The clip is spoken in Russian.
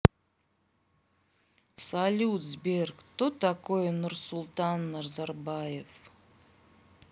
салют сбер кто такой нурсултан назарбаев